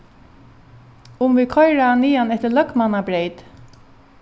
um vit koyra niðan eftir løgmannabreyt